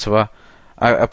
T'wbo'? A y...